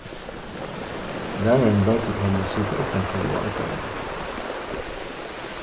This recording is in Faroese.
lærarin loyvdi teimum at sita uttanfyri og arbeiða